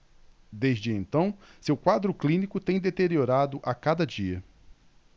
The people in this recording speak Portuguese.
desde então seu quadro clínico tem deteriorado a cada dia